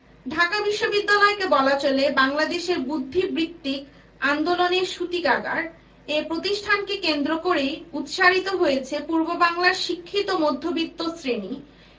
ঢাকা বিশ্ববিদ্যালয়কে বলা চলে বাংলাদেশের বুদ্ধিবৃত্তিক আন্দোলনের সূতিকাগার এ প্রতিষ্ঠানকে কেন্দ্র করেই উৎসারিত হয়েছে পূর্ববাংলার শিক্ষিত মধ্যবিত্ত শ্রেণি